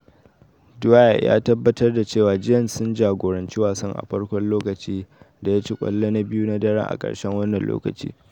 Dwyer ya tabbatar da cewa Giants sun jagoranci wasan a farkon lokaci da ya ci kwallo na biyu na daren a karshen wannan lokacin.